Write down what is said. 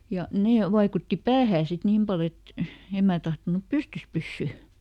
ja ne vaikutti päähän sitten niin paljon että en minä tahtonut pystyssä pysyä